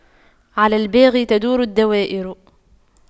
على الباغي تدور الدوائر